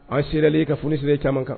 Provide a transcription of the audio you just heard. An sereyala e ka fonisireya caaman kan.